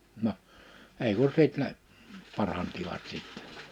no ei kun sitten ne paransivat sitten